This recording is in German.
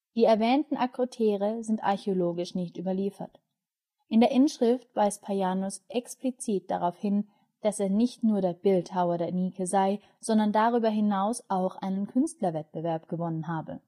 Die erwähnten Akrotere sind archäologisch nicht überliefert. In der Inschrift weist Paionios explizit darauf hin, dass er nicht nur der Bildhauer der Nike sei, sondern darüber hinaus auch einen Künstlerwettbewerb gewonnen habe